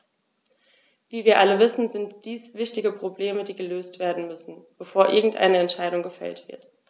Wie wir alle wissen, sind dies wichtige Probleme, die gelöst werden müssen, bevor irgendeine Entscheidung gefällt wird.